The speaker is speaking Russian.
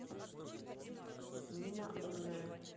нина умная